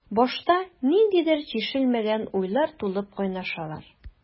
Башта ниндидер чишелмәгән уйлар тулып кайнашалар.